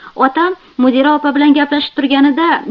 otam mudira opa bilan gaplashib turganida